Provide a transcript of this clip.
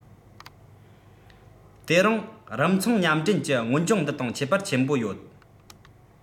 དེ རིང རིམ མཚུངས མཉམ འགྲན གྱི སྔོན སྦྱོང འདི དང ཁྱད པར ཆེན པོ ཡོད